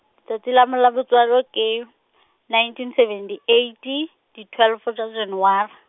tsatsi le me la botswalo ke , ninteen seventy eighty, di twelve tsa January.